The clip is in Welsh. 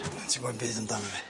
Ti mbo 'im byd amdano fi.